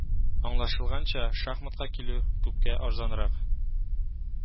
Аңлашылганча, шахматка килү күпкә арзанрак